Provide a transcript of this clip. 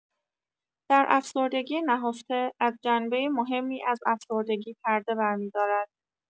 در افسردگی نهفته، از جنبه مهمی از افسردگی پرده برمی‌دارد